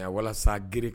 Nka walasa g